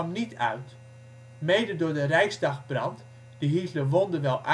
niet uit: mede door de Rijksdagbrand (die Hitler wonderwel uitkwam